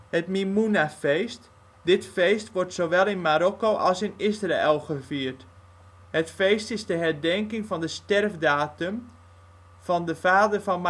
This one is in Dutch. het Mimoenafeest, dit feest wordt zowel in Marokko als in Israël gevierd. Het feest is de herdenking van de sterfdatum van de vader van